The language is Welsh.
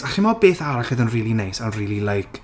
A chimod beth arall oedd e'n rili neis a rili like...